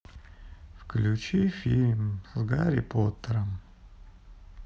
включи фильм с гарри поттером